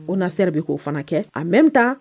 Ko na sera de bɛ k'o fana kɛ a mɛn taa